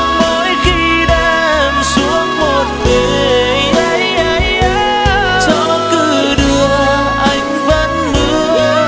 mỗi khi đêm xuống một mình gió cứ đưa anh vẫn mưa